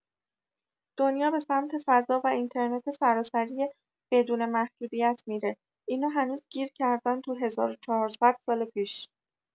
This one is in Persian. دنیا به سمت فضا و اینترنت سراسری بدون محدودیت می‌ره اینا هنوز گیر کردن تو ۱۴۰۰ سال پیش